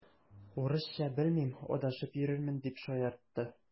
Урысча белмим, адашып йөрермен, дип шаяртты.